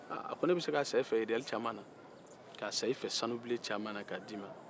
aaa a ko ne bɛ se k'a san e fɛ riyal caman na k'a san e fɛ sanubilen caman na k'a d'i ma